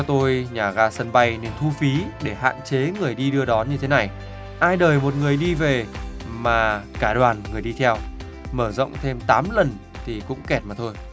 tôi nhà ga sân bay để thu phí để hạn chế người đi đưa đón như thế này ai đời một người đi về mà cả đoàn người đi theo mở rộng thêm tám lần thì cũng kẹt mà thôi